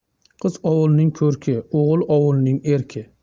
qiz ovulning ko'rki o'g'il ovulning erki